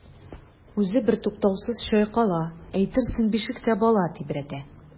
Үзе бертуктаусыз чайкала, әйтерсең бишектә бала тибрәтә.